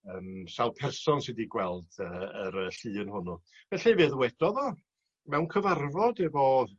Yym sawl person sy 'di gweld yy yr y llun hwnnw. Felly fe ddwedodd o mewn cyfarfod efo